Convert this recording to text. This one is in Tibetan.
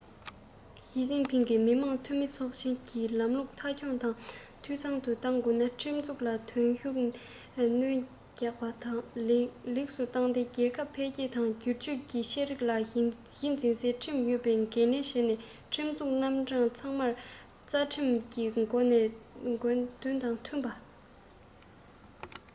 ཞིས ཅིན ཕིང གིས མི དམངས འཐུས མི ཚོགས ཆེན གྱི ལམ ལུགས མཐའ འཁྱོངས དང འཐུས ཚང དུ གཏོང དགོས ན ཁྲིམས འཛུགས ལས དོན ལ ཤུགས སྣོན རྒྱག པ དང ལེགས སུ བཏང སྟེ རྒྱལ ཁབ འཕེལ རྒྱས དང སྒྱུར བཅོས ཆེ རིགས ལ གཞི འཛིན སའི ཁྲིམས ཡོད པའི འགན ལེན བྱས ནས ཁྲིམས འཛུགས རྣམ གྲངས ཚང མ རྩ ཁྲིམས ཀྱི དགོངས དོན དང མཐུན པ དང